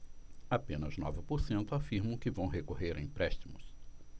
apenas nove por cento afirmam que vão recorrer a empréstimos